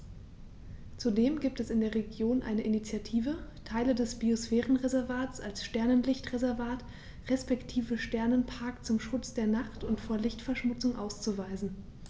Zudem gibt es in der Region eine Initiative, Teile des Biosphärenreservats als Sternenlicht-Reservat respektive Sternenpark zum Schutz der Nacht und vor Lichtverschmutzung auszuweisen.